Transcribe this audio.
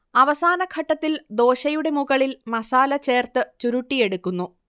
അവസാന ഘട്ടത്തിൽ ദോശയുടെ മുകളിൽ മസാല ചേർത്ത് ചുരുട്ടിയെടുക്കുന്നു